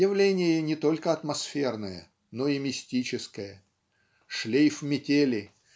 явление не только атмосферное, но и мистическое) шлейф метели